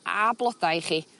a bloda i chi